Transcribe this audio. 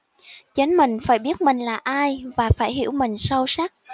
chính mình phải biết mình là ai và phải hiểu mình sâu sắc